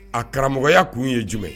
A karamɔgɔya k kun ye jumɛn